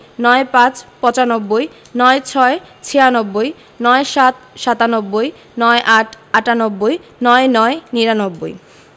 ৯৫ - পচানব্বই ৯৬ - ছিয়ানব্বই ৯৭ – সাতানব্বই ৯৮ - আটানব্বই ৯৯ - নিরানব্বই